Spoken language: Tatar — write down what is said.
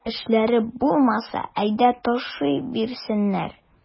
Башка эшләре булмаса, әйдә ташый бирсеннәр.